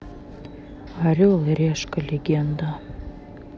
орел и решка легенда